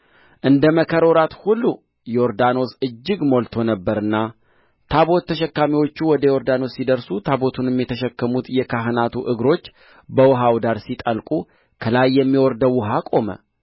እንደ መከር ወራት ሁሉ ዮርዳኖስ እጅግ ሞልቶ ነበርና ታቦት ተሸካሚዎቹ ወደ ዮርዳኖስ ሲደርሱ ታቦቱንም የተሸከሙት የካህናቱ እግሮች በውኃው ዳር ሲጠልቁ ከላይ የሚወርደው ውኃ ቆመ